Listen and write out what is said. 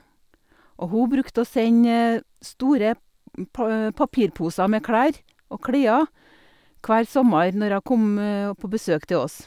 Og hun brukte å sende store pa papirposer med klær og klær hver sommer når hun kom å på besøk til oss.